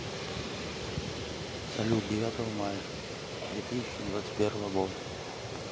салют девятое мая две тысячи двадцать первого года